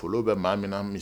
Foli bɛ maa min misi